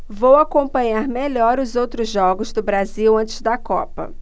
vou acompanhar melhor os outros jogos do brasil antes da copa